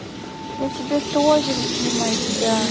я тебя тоже любимая тебя